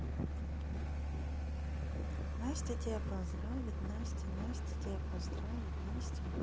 настя тебя поздравит настя настя тебя поздравит настя